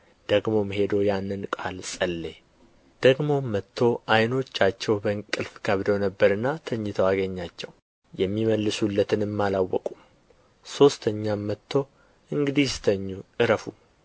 ደግሞም ሄዶ ያንኑ ቃል ጸለየ ደግሞም መጥቶ ዓይኖቻቸው በእንቅልፍ ከብደው ነበርና ተኝተው አገኛቸው የሚመልሱለትንም አላወቁም ሦስተኛም መጥቶ እንግዲህስ ተኙ ዕረፉም